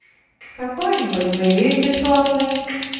какой нибудь боевик бесплатный